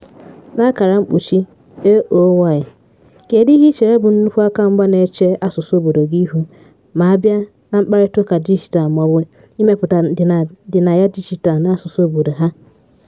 (AOY): Kedu ihe i chere bụ nnukwu akamgba na-eche asụsụ obodo gị ihu ma a bịa na mkparịtaụka dijitaalụ maọbụ imepụta ndịnaya dijitaalụ n'asụsụ obodo ha?